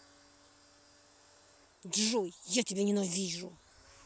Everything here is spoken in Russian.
джой я тебя ненавижу